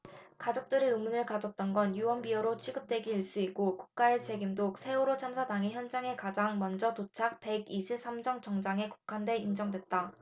가족들이 의문을 가졌던 건 유언비어로 취급되기 일쑤이고 국가의 책임도 세월호 참사 당일 현장에 가장 먼저 도착 백 이십 삼 정 정장에 국한 돼 인정됐다